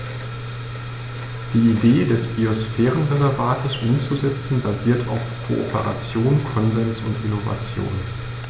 Die Idee des Biosphärenreservates umzusetzen, basiert auf Kooperation, Konsens und Innovation.